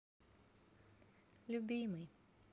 любимый